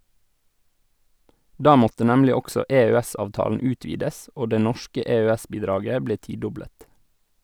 Da måtte nemlig også EØS-avtalen utvides, og det norske EØS-bidraget ble tidoblet.